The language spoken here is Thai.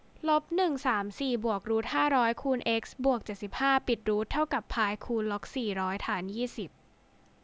ลบหนึ่งสามสี่บวกรูทห้าร้อยคูณเอ็กซ์บวกเจ็ดสิบห้าปิดรูทเท่ากับพายคูณล็อกสี่ร้อยฐานยี่สิบ